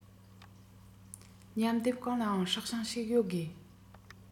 མཉམ སྡེབ གང ལ ཡང སྲོག ཤིང ཞིག ཡོད དགོས